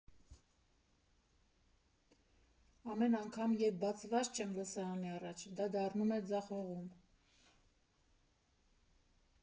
Ամեն անգամ, երբ բացված չեմ լսարանի առաջ, դա դառնում է ձախողում։